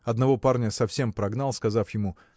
Одного парня совсем прогнал, сказав ему